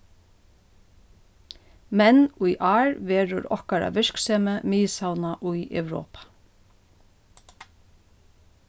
men í ár verður okkara virksemi miðsavna í europa